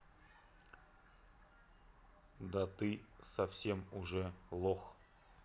да ты совсем уже лох